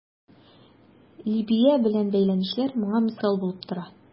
Либия белән бәйләнешләр моңа мисал булып тора.